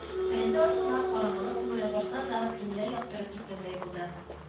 Тәрәзә артында караңгылык куера барса да дөнья яктырып киткәндәй булды